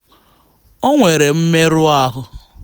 Ọ nwere mmerụ ahụ.